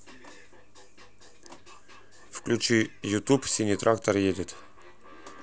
включи ютуб синий трактор едет